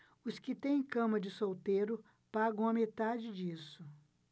os que têm cama de solteiro pagam a metade disso